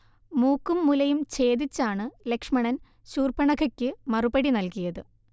മൂക്കും മുലയും ച്ഛേദിച്ചാണ് ലക്ഷ്മണൻ ശൂർപണഖയ്ക്ക് മറുപടി നൽകിയത്